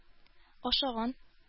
Ашаган